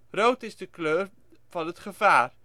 Rood is de kleur van het gevaar